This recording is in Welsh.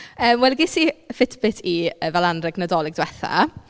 Yy wel ges i yy Fitbit i fel anrheg Nadolig diwetha.